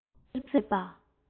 ཤག སེར བབས པ